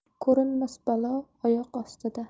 ko'rinmas balo oyoq ostida